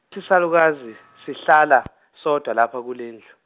isalukazi, sihlala sodwa lapha kulendlu.